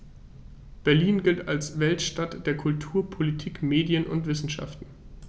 Berlin gilt als Weltstadt der Kultur, Politik, Medien und Wissenschaften.